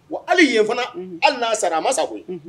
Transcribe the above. Wa hali ye fana hali n'a sara a ma sa koyi